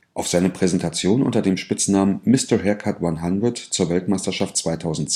Auf seine Präsentation unter dem Spitznamen Mr. Haircut 100 zur Weltmeisterschaft 2011